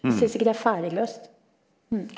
jeg syns ikke det er ferdigløst .